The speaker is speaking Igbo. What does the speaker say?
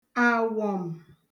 àwọ̀m̀